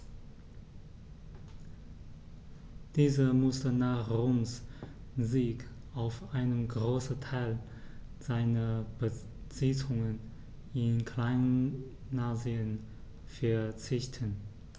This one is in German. Dieser musste nach Roms Sieg auf einen Großteil seiner Besitzungen in Kleinasien verzichten.